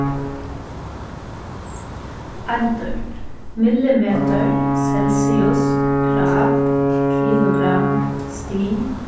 eindir millimetur celsius grad kilogramm stig